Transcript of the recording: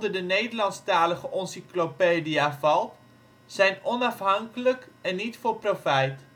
de Nederlandstalige Oncyclopedia valt, zijn onafhankelijk en niet voor profijt